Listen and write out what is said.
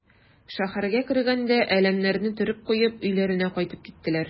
Шәһәргә кергәндә әләмнәрне төреп куеп өйләренә кайтып киттеләр.